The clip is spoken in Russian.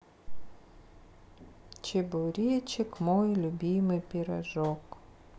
чебуречек мой любимый пирожок